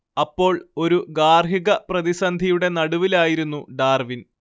അപ്പോൾ ഒരു ഗാർഹിക പ്രതിസന്ധിയുടെ നടുവിലായിരുന്നു ഡാർവിൻ